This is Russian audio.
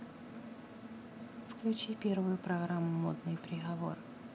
включи первую программу модный приговор